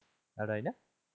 อะไรนะ